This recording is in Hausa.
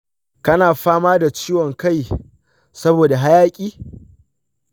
kana fama da ciwon kai saboda hayaƙi?